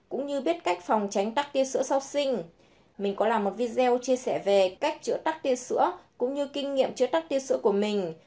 cũng như biết cách phòng tránh tắc tia sữa sau sinh mình có làm video chia sẻ về cách chữa tắc tia sữa cũng như kinh nghiệm chữa tắc tia sữa của mình